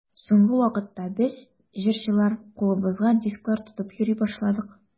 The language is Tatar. Соңгы вакытта без, җырчылар, кулыбызга дисклар тотып йөри башладык.